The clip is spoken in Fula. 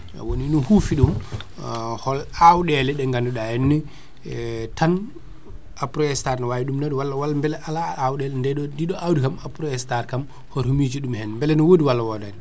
woni ne huufi ɗum hol awɗele ɗe ganduɗa henna tan Aprostar ne wawi ɗum nawde walla walla beele ala awɗele nde ɗo ndi ɗo awdi kam Aprostar woto mijo ɗum hen beele ɗum ne woodi walla ala